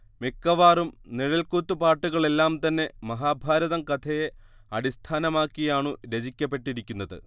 മിക്കവാറും നിഴൽക്കുത്തുപാട്ടുകളെല്ലാം തന്നെ മഹാഭാരതം കഥയെ അടിസ്ഥാനമാക്കിയാണു രചിക്കപ്പെട്ടിരിക്കുന്നത്